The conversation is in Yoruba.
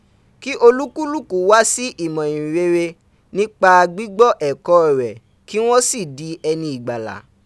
ki olukuluku wa si imo ihinrere nipa gbigbo eko re ki won si di eni igbala.